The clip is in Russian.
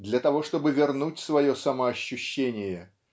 для того чтобы вернуть свое самоощущение